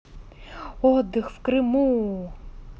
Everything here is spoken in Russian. отдых в крыму